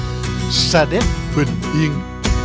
sa đéc bình